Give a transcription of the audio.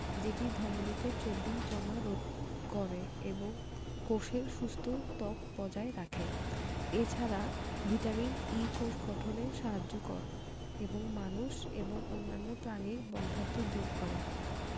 যেটি ধমনিতে চর্বি জমা রোধ করে এবং কোষের সুস্থ ত্বক বজায় রাখে এ ছাড়া ভিটামিন E কোষ গঠনে সাহায্য করে এবং মানুষ এবং অন্যান্য প্রাণীর বন্ধ্যাত্ব দূর করে